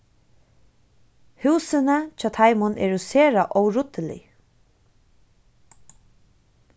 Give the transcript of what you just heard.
húsini hjá teimum eru sera óruddilig